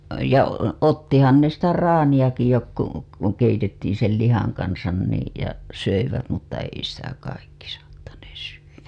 ja ottihan ne sitä traaniakin jotkut kun keitettiin sen lihan kanssa niin ja söivät mutta ei sitä kaikki saattaneet syödä